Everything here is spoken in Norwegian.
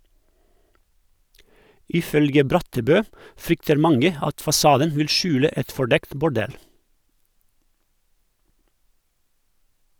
Ifølge Brattebø frykter mange at fasaden vil skjule et fordekt bordell.